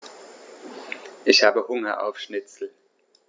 Ich habe Hunger auf Schnitzel.